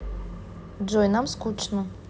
джой нам скучно